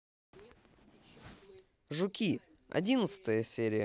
жуки одиннадцатая серия